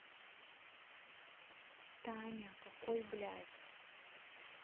таня какой блядь